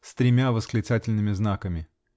(с тремя восклицательными знаками).